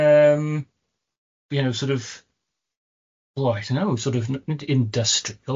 yym, you know sor' of, oh I don't know, sor' of n- nid industrial